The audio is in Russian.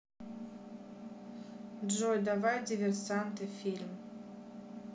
джой давай диверсанты фильм